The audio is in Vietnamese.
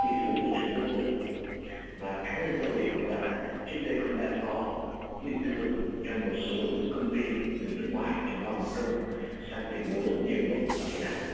tỷ phú từ trung quốc tới mà cá nhân tôi thì cũng đã trước đây cũng đã có vị tư vấn cho một số công ty từ nước ngoài trong đó hồng công sang tìm mua rất nhiều đất ở việt nam